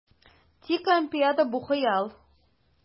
Тик Олимпиада - бу хыял!